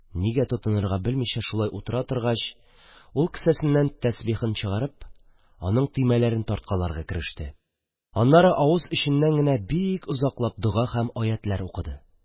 Нигә тотынырга белмичә шулай утыра торгач, ул кесәсеннән тәсбихын чыгарып, аның төймәләрен тарткаларга кереште, аннары авыз эченнән генә бик озаклап дога һәм аятьләр укыды.